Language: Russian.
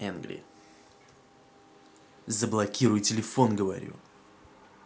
заблокируй телефон говорю